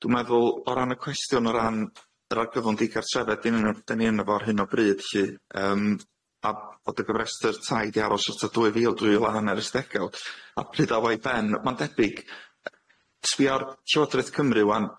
dwi'n meddwl o ran y cwestiwn o ran yr argyfwng digartrefedd i'n yno- dyn ni yno fo ar hyn o bryd lly yym a o dy gyfrestyr tai di aros wrtho dwy fil dwy lan ers stegawd a pryd a fo i ben ma'n debyg yy sbia'r Llywodraeth Cymru ŵan